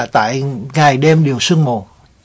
tại ngày đêm đều sương mù